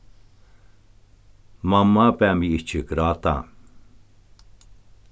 mamma bað meg ikki gráta